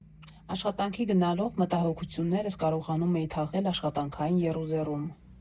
Աշխատանքի գնալով՝ մտահոգություններս կարողանում էի թաղել աշխատանքային եռուզեռում։